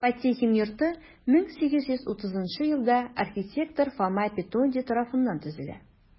Потехин йорты 1830 елда архитектор Фома Петонди тарафыннан төзелә.